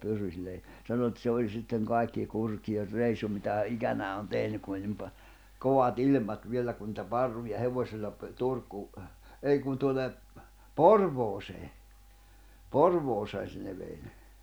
pyryllä ja sanoi että se oli sitten kaikki kurjin reissu mitä hän ikänään on tehnyt kun oli niin - kovat ilmat vielä kun niitä parruja hevosilla - Turkuun ei kun tuonne Porvooseen Porvooseen se ne vei ne